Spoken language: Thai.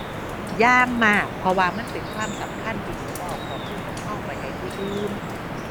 อย่างมาก เพราะว่ามันเป็นความสำคัญที่สิบ่เอาข้อมูลของเราไปให้ผู้อื่น